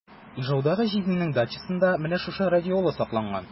Ижаудагы җизнинең дачасында менә шушы радиола сакланган.